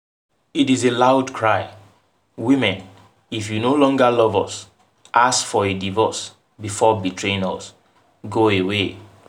It is a loud cry, women if you no longer love us ask for a divorce before betraying us, go away.